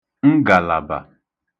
ngàlàbà